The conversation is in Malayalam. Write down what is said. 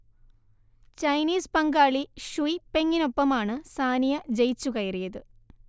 ചൈനീസ് പങ്കാളി ഷുയ് പെങ്ങിനൊപ്പമാണ് സാനിയ ജയിച്ചുകയറിയത്